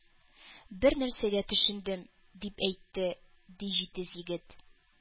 Бернәрсәгә төшендем, — дип әйтте, ди, җитез егет.